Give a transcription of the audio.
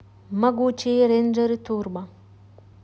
могучие рейнджеры турбо